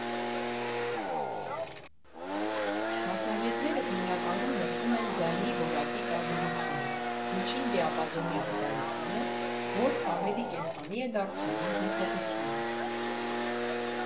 Մասնագետները հիմնականում նշում են ձայնի որակի տարբերությունը, միջին դիապազոնի առկայությունը, որ ավելի կենդանի է դարձնում հնչողությունը։